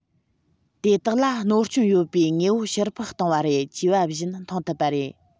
དེ དག ལ གནོད སྐྱོན ཡོད པའི དངོས པོ ཕྱིར ཕུད གཏོང བ རེད ཅེས པ བཞིན མཐོང ཐུབ པ རེད